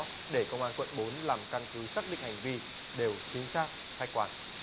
để công an quận bốn làm căn cứ xác định hành vi đều chính xác khách quan